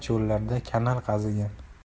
chollarda kanal qazigan